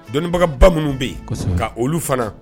Dɔnniibagaba minnu bɛ yen ka olu fana